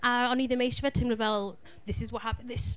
A o'n i ddim eisiau fe teimlo fel, this is what ha- this...